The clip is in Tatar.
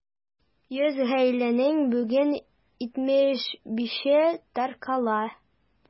100 гаиләнең бүген 75-е таркала.